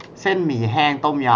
เส้นหมี่แห้งต้มยำ